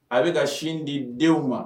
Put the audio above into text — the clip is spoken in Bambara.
A bɛ ka sin di denw ma